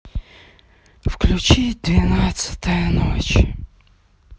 включить двенадцатая ночь